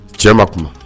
Cɛ ma kuma